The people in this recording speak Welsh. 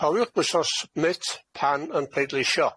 Cofiwch bwyso submit pan yn pleidleisio.